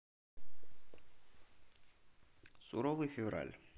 суровый февраль